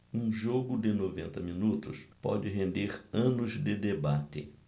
um jogo de noventa minutos pode render anos de debate